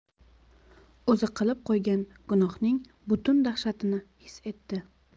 o'zi qilib qo'ygan gunohning butun dahshatini his etdi